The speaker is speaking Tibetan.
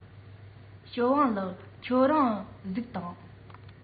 ཞའོ ཝང ལགས ཁྱེད རང གཟིགས དང